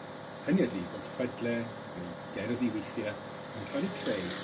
Hynny ydi bod chwedle neu gerddi withie yn ca' 'u creu